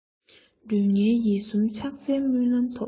ལུས ངག ཡིད གསུམ ཕྱག འཚལ སྨོན ལམ ཐོབ